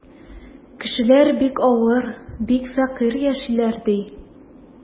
Кешеләр бик авыр, бик фәкыйрь яшиләр, ди.